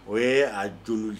O ye a don